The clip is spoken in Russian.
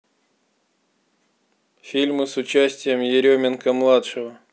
фильмы с участием еременко младшего